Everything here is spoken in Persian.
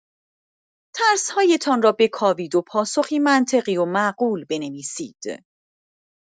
ترس‌هایتان را بکاوید و پاسخی منطقی و معقول بنویسید.